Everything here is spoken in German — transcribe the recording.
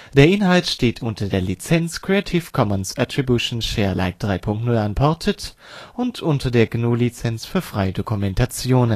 Inhalt steht unter der Lizenz Creative Commons Attribution Share Alike 3 Punkt 0 Unported und unter der GNU Lizenz für freie Dokumentation